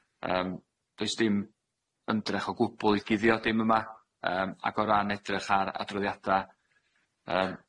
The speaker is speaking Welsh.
Yym does dim ymdrech o gwbwl i guddio dim yma, yym ac o ran edrych ar adroddiada yym